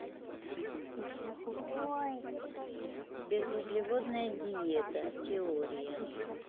безуглеводная диета теория